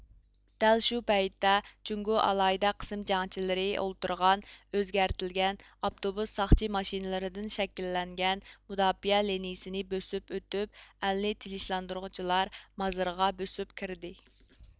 دەل شۇ پەيتتە جۇڭگو ئالاھىدە قىسىم جەڭچىلىرى ئولتۇرغان ئۆزگەرتىلگەن ئاپتوبۇس ساقچى ماشىنىلىرىدىن شەكىللەنگەن مۇداپىئە لېنىيىسىنى بۆسۈپ ئۆتۈپ ئەلنى تېنچلاندۇرغۇچىلار مازىرىغا بۆسۈپ كىردى